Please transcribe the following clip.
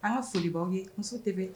An ka folibaa ye muso tɛ bɛ